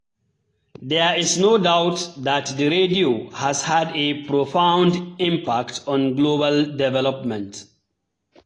There is no doubt that the radio has had a profound impact on global development.